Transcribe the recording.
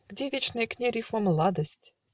Где, вечная к ней рифма, младость?